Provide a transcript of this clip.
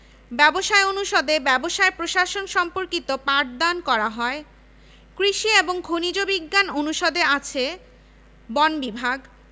ব্যবসায় অনুষদে ব্যবসায় প্রশাসন সম্পর্কিত পাঠদান করা হয় কৃষি এবং খনিজ বিজ্ঞান অনুষদে আছে বন বিভাগ